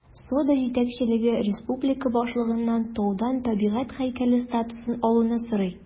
Сода җитәкчелеге республика башлыгыннан таудан табигать һәйкәле статусын алуны сорый.